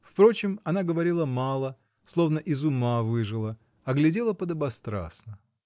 впрочем, она говорила мало, словно из ума выжила, а глядела подобострастно.